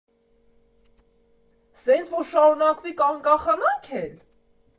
«Սենց որ շարունակվի՝ կանկախանանք է՞լ»։